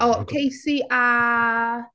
O Casey a...